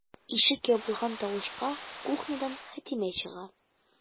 Ишек ябылган тавышка кухнядан Хәтимә чыга.